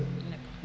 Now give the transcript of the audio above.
d' accod